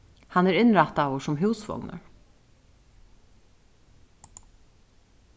hann er innrættaður sum húsvognur